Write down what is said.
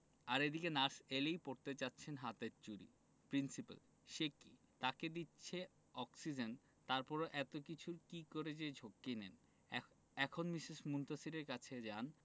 আর এদিকে নার্স এলেই পরতে চাচ্ছেন হাতে চুড়ি প্রিন্সিপাল সে কি তাকে দিচ্ছে অক্সিজেন তারপরেও এত কিছুর কি করে যে ঝক্কি নেন এ এখন মিসেস মুনতাসীরের কাছে যান